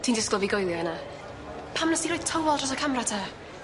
Ti'n disgwl fi goelio ynna? Pam nest di roi tywal dros y camra te?